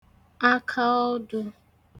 aka ọdụ̄